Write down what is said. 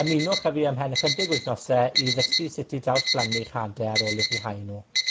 Ymunwch a fi ymhen ychydig wythnose i ddysgu sut i drawsblannu'ch hade ar ôl i chi hau nw.